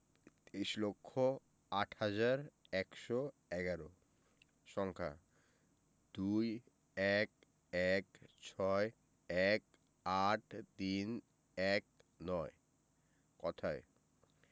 তেইশ লক্ষ আট হাজার একশো এগারো সংখ্যা ২১ ১৬ ১৮ ৩১৯ কথায়